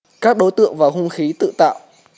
các đối tượng và hung khí tự tạo